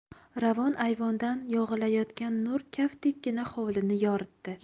ravon ayvondan yog'ilayotgan nur kaftdekkina hovlini yoritdi